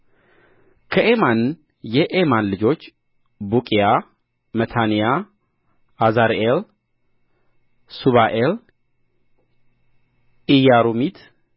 ከኤማን የኤማን ልጆች ቡቅያ መታንያ ዓዛርዔል ሱባኤ ኢያሪሙት